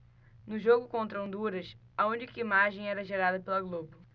no jogo contra honduras a única imagem era gerada pela globo